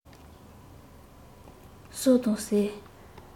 ཟོ དང ཟེར